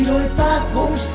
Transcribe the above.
đôi ta cũng